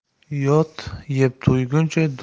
yot yeb to'yguncha